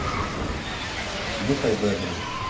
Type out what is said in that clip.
нюхай бэбру